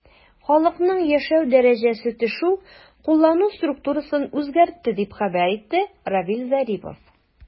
Халыкның яшәү дәрәҗәсе төшү куллану структурасын үзгәртте, дип хәбәр итте Равиль Зарипов.